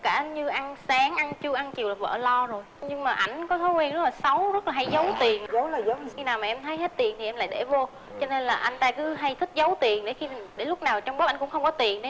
cả như ăn sáng ăn trưa ăn chiều vợ lo rồi nhưng mà ảnh có thói quen xấu là rất là hay giấu tiền khi nào mà em thấy hết tiền thì em lại để vô cho nên là anh ta cứ hay thích giấu tiền để khi để lúc nào trong bóp anh cũng không có tiền